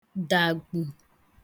dàgbù